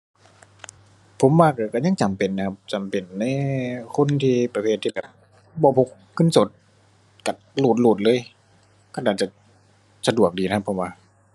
ผมว่าก็ ก็ยังจำเป็นนะครับ จำเป็นในคนที่ ประเภทที่แบบ บ่พกเงินสด ก็รูดโลดเลย ก็น่าจะ สะดวกดีนะครับ ผมว่า